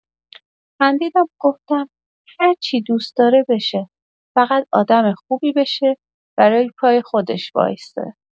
خندیدم و گفتم: «هرچی دوست داره بشه، فقط آدم خوبی بشه و روی پای خودش وایسه.»